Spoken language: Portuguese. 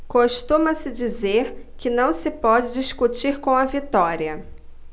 costuma-se dizer que não se pode discutir com a vitória